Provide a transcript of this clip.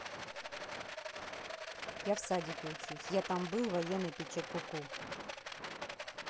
я в садике учусь я там был военный печек куку